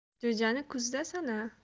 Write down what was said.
jo'jani kuzda sana